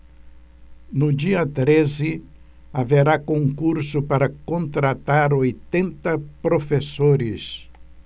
no dia treze haverá concurso para contratar oitenta professores